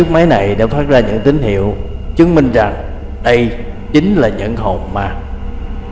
phát ra những tín hiệu chứng minh rằng đâychính là những hồn ma